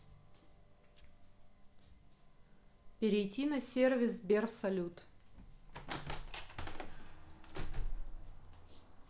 перейти на сервис сбер салют